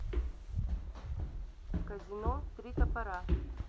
казино три топора